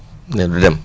ne du dem